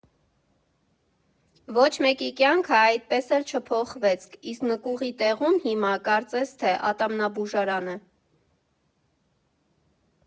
Ոչ մեկի կյանքը այդպես էլ չփոխվեց, իսկ նկուղի տեղում հիմա, կարծես թե, ատամնաբուժարան է։